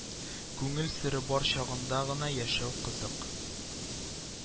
Күңел сере бар чагында гына яшәү кызык